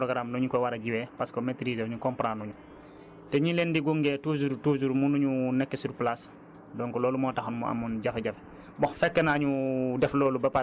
ñu bëri def nañ ci erreur ci programme nu ñu ko war a jiwee parce que maitriser wuñ komparànduñu te ñi leen di gunge toujours toujours mënuñu nekk sur place donc loolu moo taxoon mu amoon jafe-jafe